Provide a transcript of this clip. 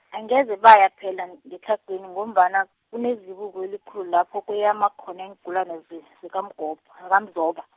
angeze baya phela ngetlhagwini ngombana, kunezibuko elikhulu, lapha kweyama khona iingulani zi- zikamgobha, zikamzoba.